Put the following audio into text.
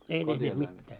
ei ne tehnyt mitään